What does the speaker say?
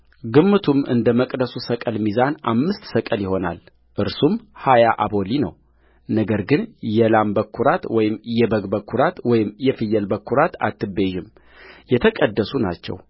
ግምቱም እንደ መቅደሱ ሰቅል ሚዛን አምስት ሰቅል ይሆናል እርሱም ሀያ አቦሊ ነውነገር ግን የላም በኵራት ወይም የበግ በኵራት ወይም የፍየል በኵራት አትቤዥም የተቀደሱ ናቸው